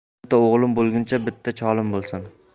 o'nta o'g'lim bo'lguncha bitta cholim bo'lsin